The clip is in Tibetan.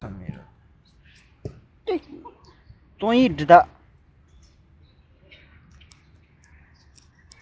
རྩོམ ཡིག འབྲི ཐབས དངོས